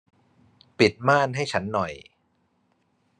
ปิดม่านให้ฉันหน่อย